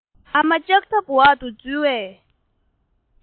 ཨ མ ལྕགས ཐབ འོག ཏུ འཛུལ བའི